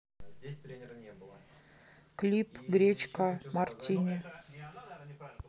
клип гречка мартини